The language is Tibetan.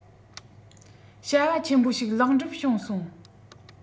བྱ བ ཆེན པོ ཞིག ལེགས འགྲུབ བྱུང སོང